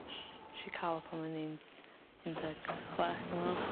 'sh i ca'l pan o'n i'n un deg chweh dwi me'wl